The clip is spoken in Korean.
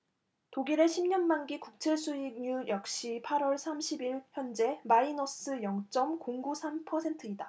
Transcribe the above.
독일의 십 년 만기 국채 수익률 역시 팔 월 삼십 일 현재 마이너스 영 쩜 공 구 삼 퍼센트다